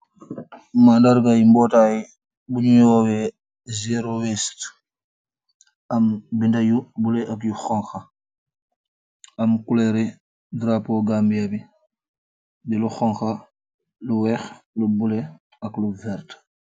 Mandarga bootay bu nyu woyeh zero waste aam benda yu bulo ak yu xonxa aam coluri darapu Gambia bi di lu xonxa lu weex lu bulo ak lu vertah.